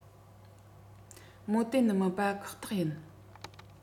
མོ གཏན ནས མིན པ ཁག ཐག ཡིན